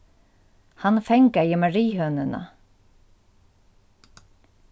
hann fangaði mariuhønuna